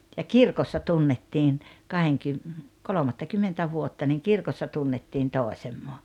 ja kirkossa tunnettiin - kolmattakymmentä vuotta niin kirkossa tunnettiin toisemme